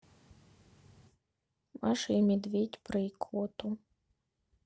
маша и медведь про икоту